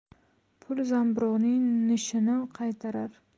pul zamburning nishini qaytarar